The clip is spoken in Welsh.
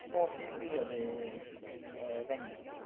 Hoff un fi oedd un y Fenni.